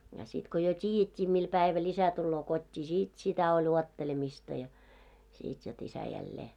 ja sitten kun jo tiedettiin millä päivällä isä tulee kotiin sitten sitä oli odottelemista ja sitten jotta isä jälleen